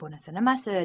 bunisi nimasi